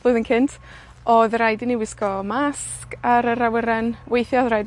flwyddyn cynt, odd raid i ni wisgo masg ar yr awyren, weithia' odd raid i